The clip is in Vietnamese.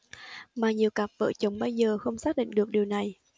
mà nhiều cặp vợ chồng bây giờ không xác định được điều này